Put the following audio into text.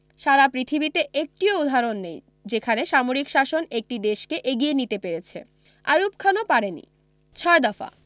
সারা পৃথিবীতে একটিও উদাহরণ নেই যেখানে সামরিক শাসন একটি দেশকে এগিয়ে নিতে পেরেছে আইয়ুব খানও পারে নি ছয় দফা